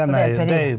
empiri.